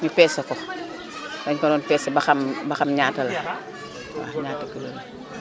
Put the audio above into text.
ñu peese ko dañu ko doon peese ba xam ba xam ñaata la waaw ñaata kiló la